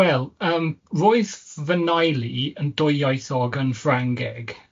Wel, yym roedd fy nheulu i yn dwyieithog yn Ffrangeg